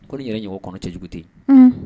Ko nin yɛrɛ ɲ ɲɔgɔn kɔnɔ tɛ jugute